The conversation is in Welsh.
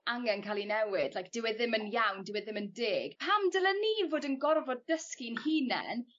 angen ca'l 'i newid like dyw e ddim yn iawn dyw e ddim yn deg pam dyle ni fod yn gorfod dysgu'n hunen